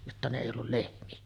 jotta ne ei ollut lehmiä